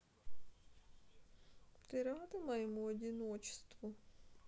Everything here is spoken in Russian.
ты рада моему одиночеству